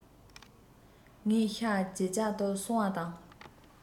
ངའི ཤ ཇེ རྒྱགས སུ སོང བ དང